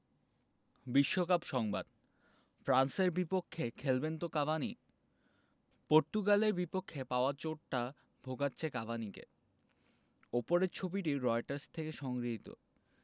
বিশ্বকাপ সংবাদ ফ্রান্সের বিপক্ষে খেলবেন তো কাভানি পর্তুগালের বিপক্ষে পাওয়া চোটটা ভোগাচ্ছে কাভানিকে ওপরের ছবিটি রয়টার্স থেকে সংগৃহীত